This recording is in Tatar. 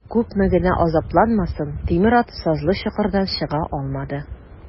Күпме генә азапланмасын, тимер ат сазлы чокырдан чыга алмады.